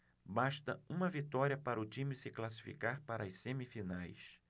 basta uma vitória para o time se classificar para as semifinais